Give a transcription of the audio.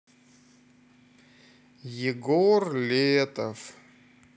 егор летов